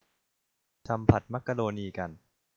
ทำผัดมักโรนีกัน